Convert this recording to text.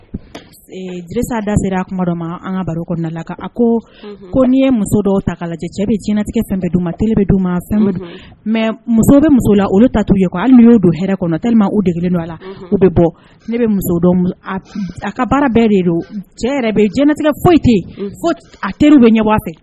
A an ka baroda la ni muso lajɛ cɛtigɛ muso bɛ muso la olu ta uo don kɔnɔ de don a la a ka baara bɛɛ de cɛ jɛnɛtigɛ foyite a teri bɛ ɲɛ fɛ